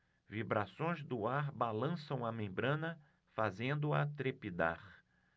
vibrações do ar balançam a membrana fazendo-a trepidar